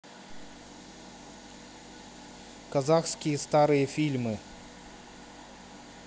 казахские старые фильмы